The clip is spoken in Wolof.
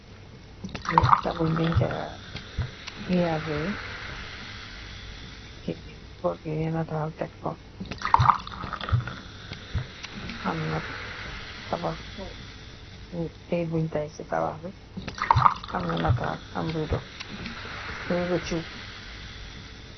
Yeni kabuñ dencra yaggae, kini gorgyi nenatal tek kox, amna tabaxay buñ tay, ci tabax bi amna nataab am redou.